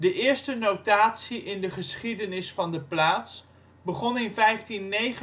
eerste notatie in de geschiedenis van de plaats begon in 1599